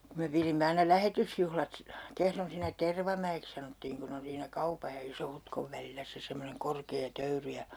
kun me pidimme aina lähetysjuhlat - Kehron siinä Tervamäeksi sanottiin kun on siinä kaupan ja Iso-Hutkon välillä se semmoinen korkea töyry ja